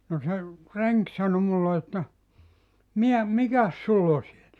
no se renki sanoi minulle että mitä mikäs sinulla on siellä